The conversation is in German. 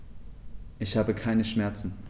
Ich habe keine Schmerzen.